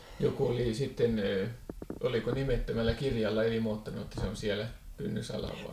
joku oli sitten oliko nimettömällä kirjalla ilmoittanut että se on siellä kynnysalla